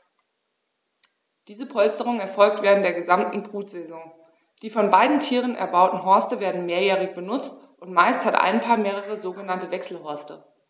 Diese Polsterung erfolgt während der gesamten Brutsaison. Die von beiden Tieren erbauten Horste werden mehrjährig benutzt, und meist hat ein Paar mehrere sogenannte Wechselhorste.